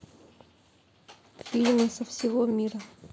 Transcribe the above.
фильмы со всего мира